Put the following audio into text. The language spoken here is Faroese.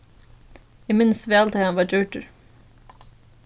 eg minnist væl tá ið hann varð gjørdur